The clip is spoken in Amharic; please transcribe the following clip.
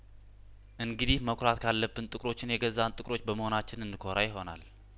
እንግዲህ መኩራት ካለብን ጥቁሮችን የገዛን ጥቁሮች በመሆናችን እንኮራ ይሆናል